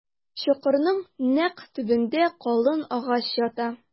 Чокырның нәкъ төбендә калын агач ята.